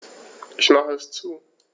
Ich mache es zu.